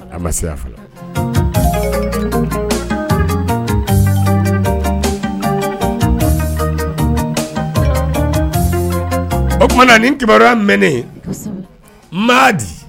A ma se o tumaumana nin kibaruyaya mɛnen ma di